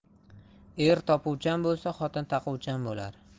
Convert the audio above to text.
er topuvchan bo'lsa xotin taquvchan bo'lar